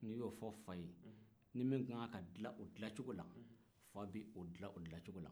n'i yo fɔ fa ye ni min ka kan ka dilan o dilan cogo la fa b'o dilan o dilan cogo la